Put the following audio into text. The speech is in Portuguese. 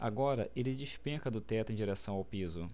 agora ele despenca do teto em direção ao piso